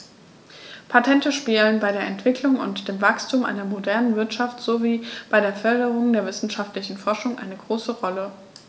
Patente spielen bei der Entwicklung und dem Wachstum einer modernen Wirtschaft sowie bei der Förderung der wissenschaftlichen Forschung eine große Rolle.